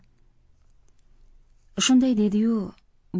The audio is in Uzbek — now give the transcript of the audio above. shunday dedi yu